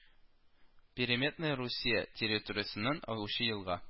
Перемтная Русия территориясеннән агучы елга